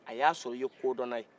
a y'a sɔrɔ e ye kodɔnna ye